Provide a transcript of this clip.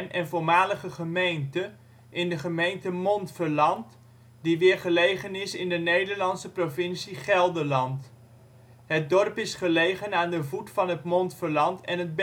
en voormalige gemeente in de gemeente Montferland, die weer gelegen is in de Nederlandse provincie Gelderland. Het dorp is gelegen aan de voet van het Montferland en het